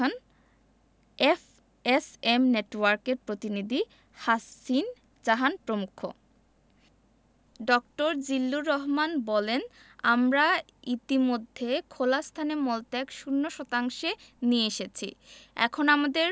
Dara জনথন FSM নেটওয়ার্কের প্রতিনিধি হাসিন জাহান প্রমুখ ড. জিল্লুর রহমান বলেন আমরা ইতিমধ্যে খোলা স্থানে মলত্যাগ শূন্য শতাংশে নিয়ে এসেছি